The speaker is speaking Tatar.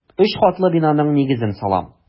Өч катлы бинаның нигезен салам.